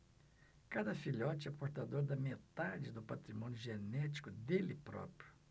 cada filhote é portador da metade do patrimônio genético dele próprio